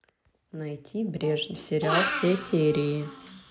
найти брежнев сериал все серии